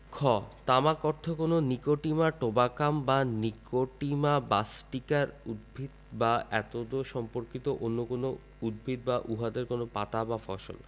খ তামাক অর্থ কোন নিকোটিমা টোবাকাম বা নিকোটিমা বাসটিকার উদ্ভিদ বা এতদ্সম্পর্কিত অন্য কোন উদ্ছিদ বা উহাদের কোন পাতা বা ফসল